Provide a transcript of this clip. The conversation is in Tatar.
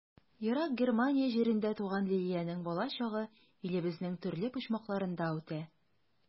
Ерак Германия җирендә туган Лилиянең балачагы илебезнең төрле почмакларында үтә.